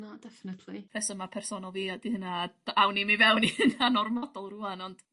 Na definitely. Rhesyma personol fi ydi hynna awn ni'm i fewn i hynna'n ormodol rŵan ond